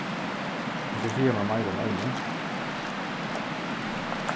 kanst tú siga mær meira um evnið